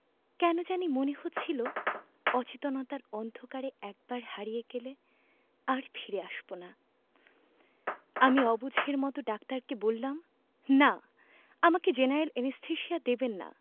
কেন জানি মনে হচ্ছিলো অচেতনতার অন্ধকারে একবার হারিয়ে গেলে আর ফিরে আসবো না আমি অবুঝের মতো ডাক্তারকে বললাম না আমাকে জেনারেল অ্যানেসথেসিয়া দেবেন না